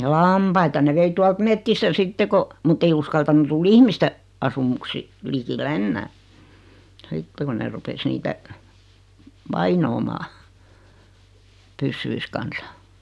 lampaita ne vei tuolta metsistä sitten kun mutta ei uskaltanut tulla ihmisten asumusten likelle enää sitten kun ne rupesi niitä vainoamaan pyssyjen kanssa